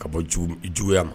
Ka bɔ juguya ma